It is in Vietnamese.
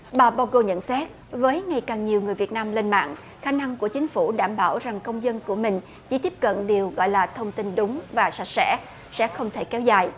bà vô gồ nhận xét với ngày càng nhiều người việt nam lên mạng khả năng của chính phủ đảm bảo rằng công dân của mình chỉ tiếp cận điều gọi là thông tin đúng và sạch sẽ sẽ không thể kéo dài